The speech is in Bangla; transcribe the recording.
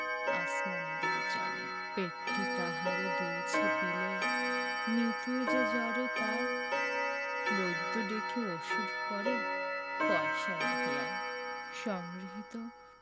আসমানীদের চলে পেটটি তাহার দুলছে পিলেয় নিতুই যে জ্বর তার বৈদ্য ডেকে ওষুধ করে পয়সা নাহি আর সংগৃহীত